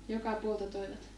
joka puolelta toivat